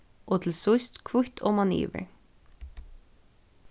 og til síðst hvítt omanyvir